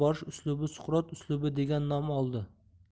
borish uslubi suqrot uslubi degan nom oldi